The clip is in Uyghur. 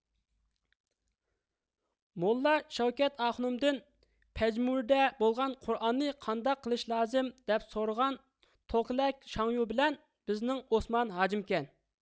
موللا شەۋكەت ئاخۇنۇمدىن پەجمۇردە بولغان قۇرئاننى قانداق قىلىش لازىم دەپ سورىغان توقىلەك شاڭيو بىلەن بىزنىڭ ئوسمان ھاجىمكەن